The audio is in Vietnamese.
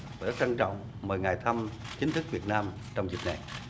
rất trân trọng mời ngài thăm chính thức việt nam trong dịp